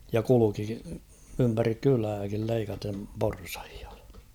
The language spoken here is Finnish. ja kulki ympäri kylääkin leikaten porsaita